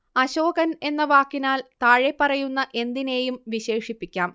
അശോകൻ എന്ന വാക്കിനാൽ താഴെപ്പറയുന്ന എന്തിനേയും വിശേഷിപ്പിക്കാം